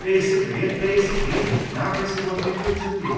Basically basically 'na be sy bod yn digwydd 'da fi.